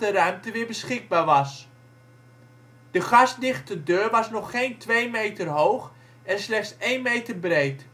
ruimte weer beschikbaar was. De gasdichte deur was nog geen twee meter hoog en slechts één meter breed